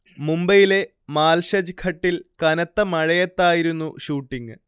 മുംബൈയിലെ മാൽഷജ് ഘട്ടിൽ കനത്ത മഴത്തായിരുന്നു ഷൂട്ടിങ്ങ്